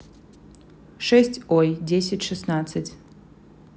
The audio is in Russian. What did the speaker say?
шесть ой десять шестнадцать